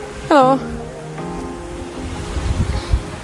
Helo!